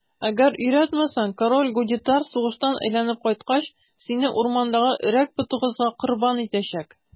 Әгәр өйрәтмәсәң, король Гунитар сугыштан әйләнеп кайткач, сине урмандагы Өрәк потыгызга корбан итәчәк.